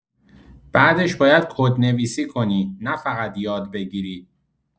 بعدش باید کدنویسی کنی، نه‌فقط یاد بگیری.